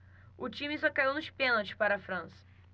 o time só caiu nos pênaltis para a frança